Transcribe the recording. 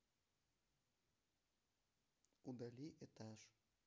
удали этаж